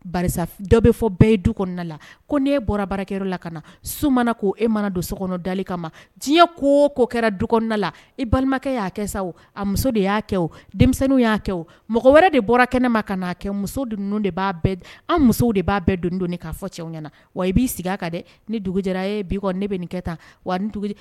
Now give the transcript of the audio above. Dɔw bɛ fɔ bɛɛ ye du la ko nee bɔra baarakɛ la ka na su mana k'o e mana don so kɔnɔ dalen kama ma diɲɛ ko ko kɛra du la i balimakɛ y'a kɛ sa a muso de y'a kɛ o denmisɛnninw y'a kɛ o mɔgɔ wɛrɛ de bɔra kɛnɛ ma ka' a kɛ muso dunun de b'a an muso de b'a bɛɛ don don k' fɔ cɛw ɲɛna wa i b'i sigi a kan dɛ ni dugu jɛra e ye bi ne bɛ nin kɛ ta wa